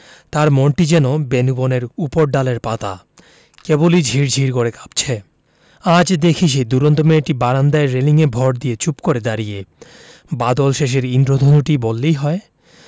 তার মনটি যেন বেনূবনের উপরডালের পাতা কেবলি ঝির ঝির করে কাঁপছে আজ দেখি সেই দূরন্ত মেয়েটি বারান্দায় রেলিঙে ভর দিয়ে চুপ করে দাঁড়িয়ে বাদলশেষের ঈন্দ্রধনুটি বললেই হয়